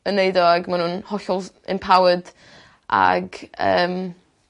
yn neud o ag ma' nw'n hollol empowered ag yym